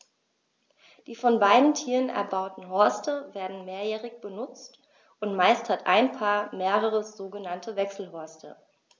Die von beiden Tieren erbauten Horste werden mehrjährig benutzt, und meist hat ein Paar mehrere sogenannte Wechselhorste.